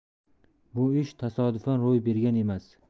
bu ish tasodifan ro'y bergan emas